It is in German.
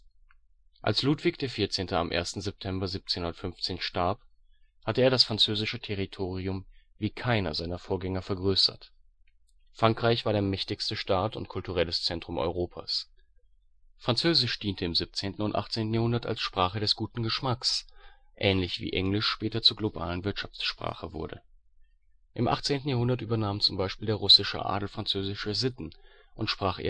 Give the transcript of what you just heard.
Als Ludwig XIV. am 1. September 1715 starb, hatte er das französische Territorium wie keiner seiner Vorgänger vergrößert. Frankreich war der mächtigste Staat und kulturelles Zentrum Europas. Französisch diente im 17. und 18. Jahrhundert als Sprache des guten Geschmacks, ähnlich wie Englisch später zur globalen Wirtschaftssprache wurde. Im 18. Jahrhundert übernahm zum Beispiel der russische Adel französische Sitten und sprach